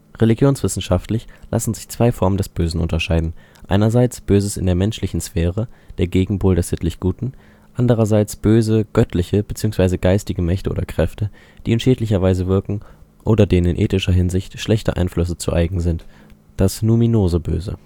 Religionswissenschaftlich lassen sich zwei Formen des Bösen unterscheiden: einerseits Böses in der menschlichen Sphäre (der Gegenpol des sittlich Guten), andererseits böse ' göttliche ' bzw. geistige Mächte oder Kräfte, die in schädlicher Weise wirken oder denen in ethischer Hinsicht schlechte Einflüsse zu eigen sind, das „ numinose Böse